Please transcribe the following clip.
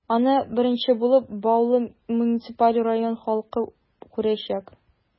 Аны беренче булып, Баулы муниципаль районы халкы күрәчәк.